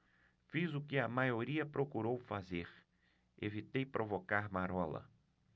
fiz o que a maioria procurou fazer evitei provocar marola